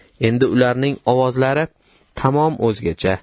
endi ularning ovozlari tamom o'zgacha